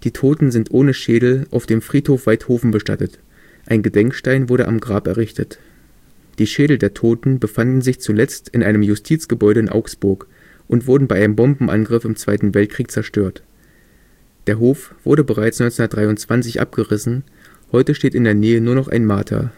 Toten sind ohne Schädel auf dem Friedhof Waidhofen bestattet, ein Gedenkstein wurde am Grab errichtet. Die Schädel der Toten befanden sich zuletzt in einem Justizgebäude in Augsburg und wurden bei einem Bombenangriff im Zweiten Weltkrieg zerstört. Der Hof wurde bereits 1923 abgerissen, heute steht in der Nähe nur noch ein Marterl